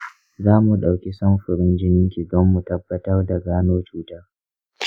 zamu dauki samfurin jininki don mu tabbar da gano cutar.